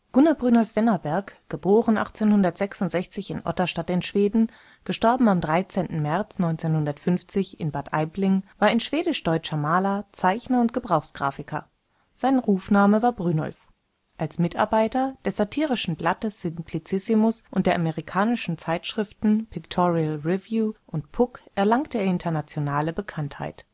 Gunnar Brynolf Wennerberg (* 12. August 1866 in Otterstad, Schweden; † 13. März 1950 in Bad Aibling) war ein schwedisch-deutscher Maler, Zeichner und Gebrauchsgrafiker. Sein Rufname war Brynolf. Als Mitarbeiter des satirischen Blattes „ Simplicissimus “und der amerikanischen Zeitschriften „ Pictorial Review “und „ Puck “erlangte er internationale Bekanntheit